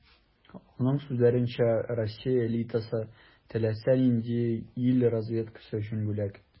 Аның сүзләренчә, Россия элитасы - теләсә нинди ил разведкасы өчен бүләк.